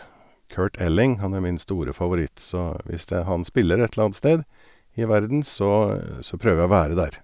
Kurt Elling, han er min store favoritt, så hvis de han spiller et eller annet sted i verden, så så prøver jeg å være der.